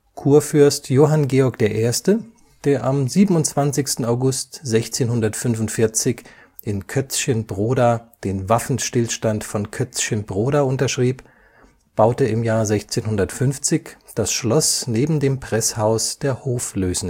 Kurfürst Johann Georg I., der am 27. August 1645 in Kötzschenbroda den Waffenstillstand von Kötzschenbroda unterschrieb, baute 1650 das Schloss neben das Presshaus der Hoflößnitz